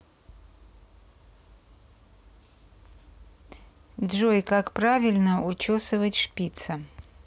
джой как правильно учесывать шпица